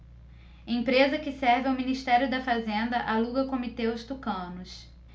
empresa que serve ao ministério da fazenda aluga comitê aos tucanos